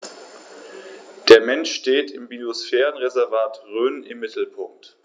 Der Mensch steht im Biosphärenreservat Rhön im Mittelpunkt.